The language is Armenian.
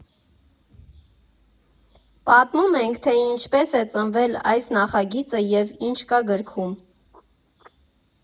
Պատմում ենք, թե ինչպես է ծնվել այս նախագիծը և ինչ կա գրքում։